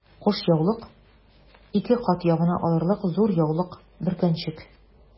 Кушъяулык— ике кат ябына алырлык зур яулык, бөркәнчек...